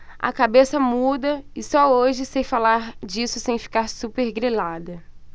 a cabeça muda e só hoje sei falar disso sem ficar supergrilada